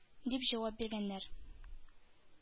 — дип җавап биргәннәр.